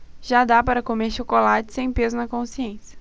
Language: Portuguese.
já dá para comer chocolate sem peso na consciência